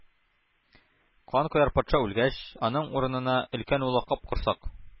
Канкояр патша үлгәч, аның урынына өлкән улы Капкорсак